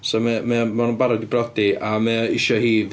So, ma' o- mae o'n mae nhw'n barod i briodi ac mae o isio hi...